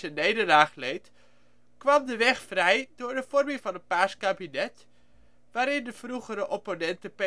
nederlaag leed, kwam de weg vrij voor de vorming van een paars kabinet, waarin de vroegere opponenten